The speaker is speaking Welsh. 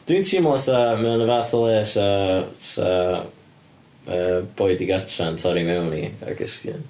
Dwi'n teimlo fatha mae yn y fath o le 'sa 'sa yy boi digartre yn torri mewn i a cysgu yn.